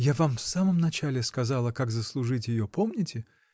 — Я вам в самом начале сказала, как заслужить ее: помните?